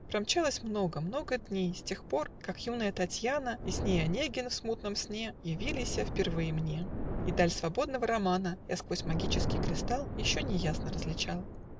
Промчалось много, много дней С тех пор, как юная Татьяна И с ней Онегин в смутном сне Явилися впервые мне - И даль свободного романа Я сквозь магический кристалл Еще не ясно различал.